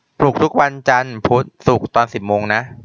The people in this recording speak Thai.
ปลุกทุกวันจันทร์พุธศุกร์ตอนสิบโมงนะ